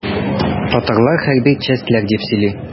Татарлар хәрби чәстләр дип сөйли.